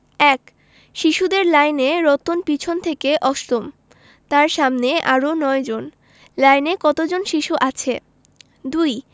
১ শিশুদের লাইনে রতন পিছন থেকে অষ্টম তার সামনে আরও ৯ জন লাইনে কত জন শিশু আছে ২